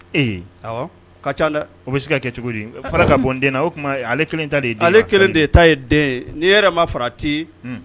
Ee, awɔ, u ka ca dɛ o bɛ se ka kɛ cogo di fara ka bɔ n den na o tuma ale kelen ta de ye den ye wa? ale kelen ta de ye den n'i yɛrɛ ma farati